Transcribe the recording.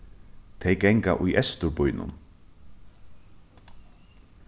tey ganga í eysturbýnum